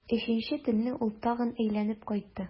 Өченче төнне ул тагын әйләнеп кайтты.